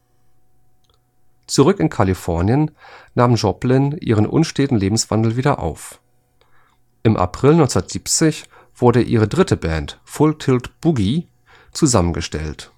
Zurück in Kalifornien nahm Joplin ihren unsteten Lebenswandel wieder auf. Im April 1970 wurde ihre dritte Band, Full Tilt Boogie zusammengestellt